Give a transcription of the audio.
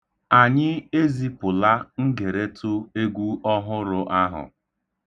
Anyị ezipụla ngeretụ egwu ọhụrụ ahụ.